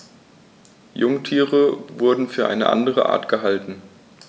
Jungtiere wurden für eine andere Art gehalten.